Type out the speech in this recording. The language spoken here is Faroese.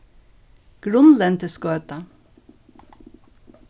grunnlendisgøta